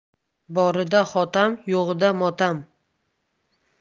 borida hotam yo'g'ida motam